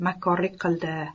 rhaq makkorlik qildi